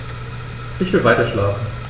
Ich will weiterschlafen.